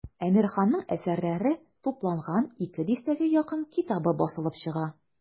Әмирханның әсәрләре тупланган ике дистәгә якын китабы басылып чыга.